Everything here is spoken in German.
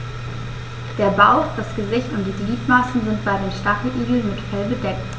Der Bauch, das Gesicht und die Gliedmaßen sind bei den Stacheligeln mit Fell bedeckt.